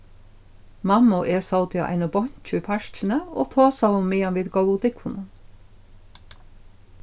mamma og eg sótu á einum beinki í parkini og tosaðu meðan vit góvu dúgvunum